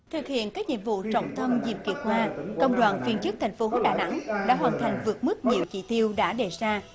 thực hiện các nhiệm vụ trọng tâm nhiệm kỳ qua công đoàn viên chức thành phố đà nẵng đã hoàn thành vượt mức nhiều chỉ tiêu đã đề ra